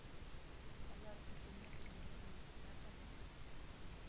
Алар көтүне төнге уникегә кадәр